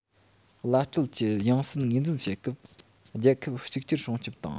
བླ སྤྲུལ གྱི ཡང སྲིད ངོས འཛིན བྱེད སྐབས རྒྱལ ཁབ གཅིག གྱུར སྲུང སྐྱོང དང